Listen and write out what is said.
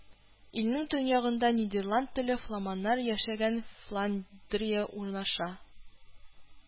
Илнең төньягында нидерланд телле фламаннар яшәгән Флан дрия урнаша